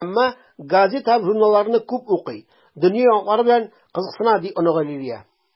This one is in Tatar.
Әмма газета һәм журналларны күп укый, дөнья яңалыклары белән кызыксына, - ди оныгы Лилия.